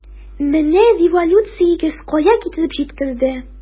Менә революциягез кая китереп җиткерде!